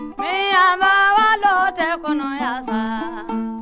miniyanba wolo tɛ konaya sa